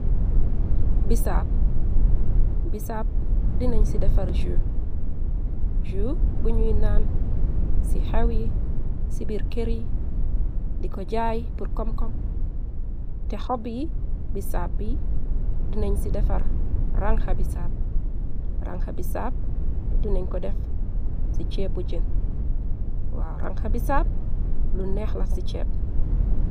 Bisaab bisab dinañ ci defar j j buñuy naan ci xewi ci biir këry di ko jaay bur kom-kom te xob yi bi sap bi dinañ ci defar ranxa bi saab ranka bi saap dinañ ko def ci ceepu jen waa ranxa bisaap lu neexla ci chepp.